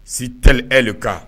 Si tɛ eli kan